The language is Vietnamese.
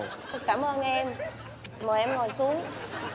cảm ơn em mời em ngồi xuống